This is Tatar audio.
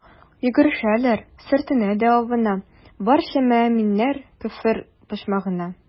Йөгерешәләр, сөртенә дә абына, барча мөэминнәр «Көфер почмагы»на.